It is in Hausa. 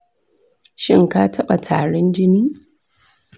shin ka taba tarin jini?